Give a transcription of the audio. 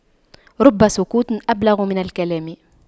رب سكوت أبلغ من كلام